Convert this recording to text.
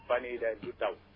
fan yii de du taw